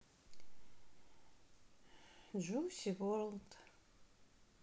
джусси ворлд